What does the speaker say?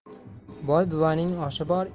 boy buvaning oshi bor